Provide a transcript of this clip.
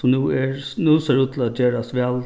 sum nú er nú sær út til at gerast væl